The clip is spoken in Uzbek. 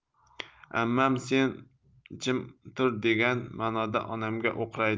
ammam sen jim tur degan manoda onamga o'qraydi